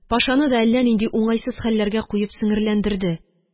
Пашаны да әллә нинди уңайсыз хәлләргә куеп сеңерләндерде,